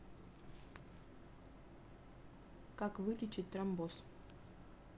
как вылечить тромбоз